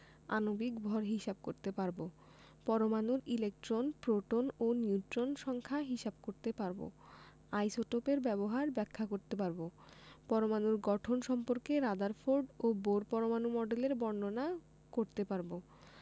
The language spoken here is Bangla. আণবিক ভর হিসাব করতে পারব পরমাণুর ইলেকট্রন প্রোটন ও নিউট্রন সংখ্যা হিসাব করতে পারব আইসোটোপের ব্যবহার ব্যাখ্যা করতে পারব পরমাণুর গঠন সম্পর্কে রাদারফোর্ড ও বোর পরমাণু মডেলের বর্ণনা করতে পারব